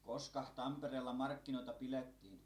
Koskah Tampereella markkinoita pilettiin?